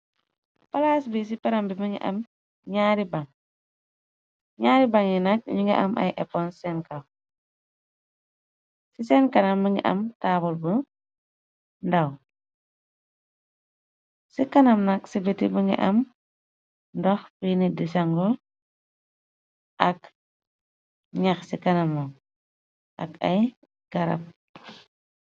Palaas bi ci param bi, ñaari ban yi nak yiñu ngi am ay epon seen kaw, ci seen kanam bi ngi am taabul bu ndaw, ci kanam nak ci biti bi ngi am ndox fi nit dichango, ak ñax ci kana mo, ak ay garab.